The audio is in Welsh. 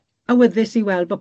awyddus i wel' bo'